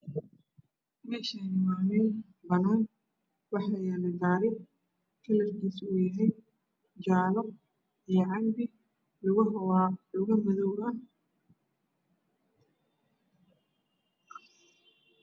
Meeshaan waa meel banaan ah waxaa yaalo gaari kalarkiisu yahay jaalo iyo cambe. Luguhu waa lugo madow ah.